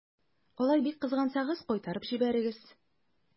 Алай бик кызгансагыз, кайтарып җибәрегез.